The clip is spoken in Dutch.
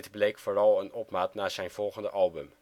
bleek vooral een opmaat naar zijn volgende album